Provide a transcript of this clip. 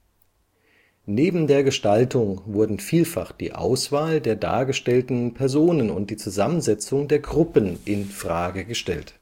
Neben der Gestaltung wurden vielfach die Auswahl der dargestellten Personen und die Zusammensetzung der Gruppen in Frage gestellt